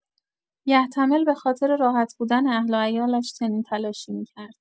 یحتمل به‌خاطر راحت بودن اهل و عیالش چنین تلاشی می‌کرد.